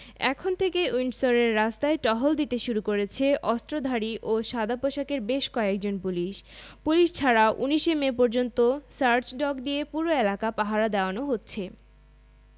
এখন থেকেই উইন্ডসরের রাস্তায় টহল দিতে শুরু করেছে অস্ত্রধারী ও সাদাপোশাকের বেশ কয়েকজন পুলিশ পুলিশ ছাড়াও ১৯ মে পর্যন্ত সার্চ ডগ দিয়ে পুরো এলাকা পাহারা দেওয়ানো হচ্ছে